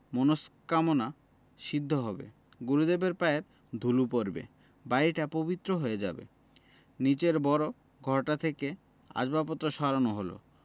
মনস্কামনা সিদ্ধ হবে গুরুদেবের পায়ের ধুলো পড়বে বাড়িটা পবিত্র হয়ে যাবে নীচের বড় ঘরটা থেকে আসবাবপত্র সরানো হলো